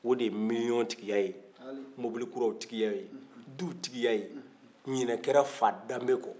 o de ye miliyɔn tigiya ye molibi kuraw tigiya ye duw tigiya ye ɲinɛ kɛra fadanbew ko